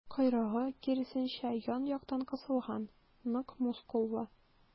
Койрыгы, киресенчә, ян-яктан кысылган, нык мускуллы.